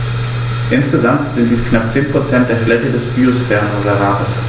Insgesamt sind dies knapp 10 % der Fläche des Biosphärenreservates.